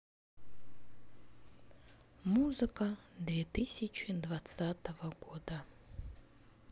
музыка две тысячи двадцатого года